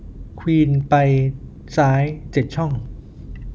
ควีนไปซ้ายเจ็ดช่อง